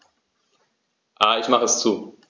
Ich mache es zu.